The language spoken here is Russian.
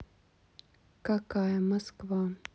какая москва